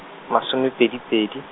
masome pedi pedi.